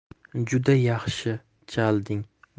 juda yaxshi chalding